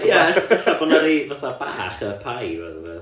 Ie ell- ella bod 'na rei fatha bach y pie fath o beth